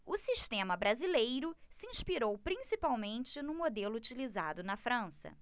o sistema brasileiro se inspirou principalmente no modelo utilizado na frança